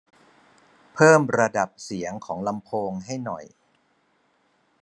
เพิ่มระดับเสียงของลำโพงให้หน่อย